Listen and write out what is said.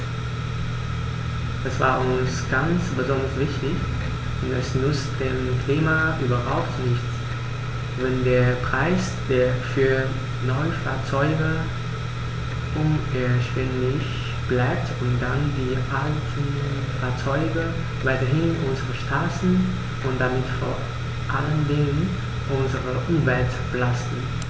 Das war uns ganz besonders wichtig, denn es nützt dem Klima überhaupt nichts, wenn der Preis für Neufahrzeuge unerschwinglich bleibt und dann die alten Fahrzeuge weiterhin unsere Straßen und damit vor allen Dingen unsere Umwelt belasten.